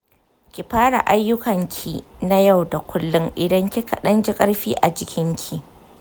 ki fara aiyukanki na yau da kullum idan kika danji karfi a jikinki.